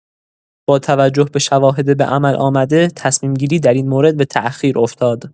با توجه به شواهد به‌عمل‌آمده، تصمیم‌گیری در این مورد به تأخیر افتاد.